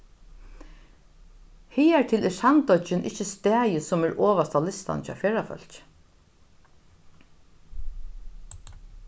higartil er sandoyggin ikki staðið sum er ovast á listanum hjá ferðafólki